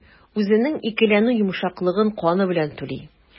Үзенең икеләнү йомшаклыгын каны белән түли.